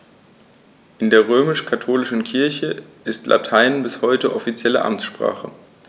In der römisch-katholischen Kirche ist Latein bis heute offizielle Amtssprache.